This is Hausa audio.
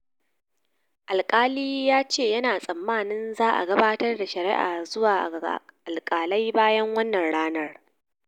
Jinsi Mai Saurin Girma: Menene sanannen hip hop?